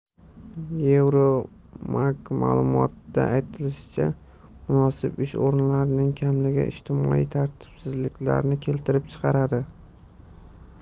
euromagma'lumotda aytilishicha munosib ish o'rinlarining kamligi ijtimoiy tartibsizliklarni keltirib chiqaradi